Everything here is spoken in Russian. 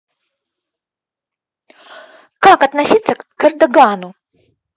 как относиться к эрдогану